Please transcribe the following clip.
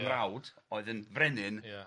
Fy mrawd oedd yn frenin... Ia.